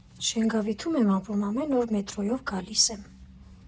Շենգավիթում եմ ապրում, ամեն օր մետրոյով գալիս եմ։